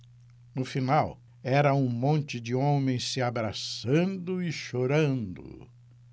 no final era um monte de homens se abraçando e chorando